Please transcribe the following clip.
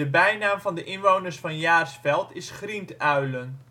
bijnaam van de inwoners van Jaarsveld is Grienduilen